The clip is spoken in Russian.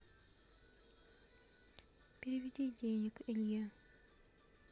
переведи денег илье